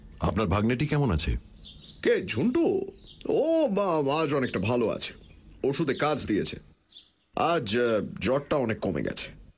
আপনার ভাগনেটি কেমন আছে কে ঝন্টু ও আজ অনেকটা ভাল ওষুধে কাজ দিয়েছে আজ জ্বরটা অনেক কমে গেছে